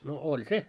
no oli se